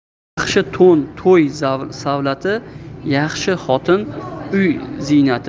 yaxshi to'n to'y savlati yaxshi xotin uy ziynati